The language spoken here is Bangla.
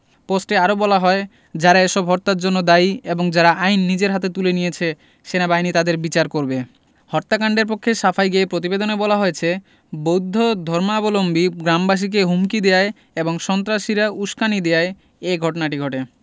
পোস্টে আরো বলা হয় যারা এসব হত্যার জন্য দায়ী এবং যারা আইন নিজের হাতে তুলে নিয়েছে সেনাবাহিনী তাদের বিচার করবে হত্যাকাণ্ডের পক্ষে সাফাই গেয়ে প্রতিবেদনে বলা হয়েছে বৌদ্ধ ধর্মাবলম্বী গ্রামবাসীকে হুমকি দেয়ায় এবং সন্ত্রাসীরা উসকানি দেয়ায় এ ঘটনাটি ঘটে